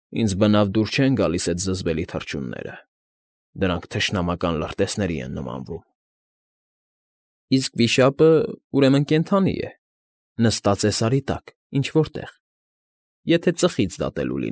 Ինձ բնավ դուր չեն գալիս էդ զզվելի թռչունները, դրանք թշնամական լրտեսների են նմանվում։ ֊ Իսկ վիշապը, ուրեմն կենդանի է, նստած է սարի տակ, ինչ֊որ տեղ, եթե ծխից դատելու։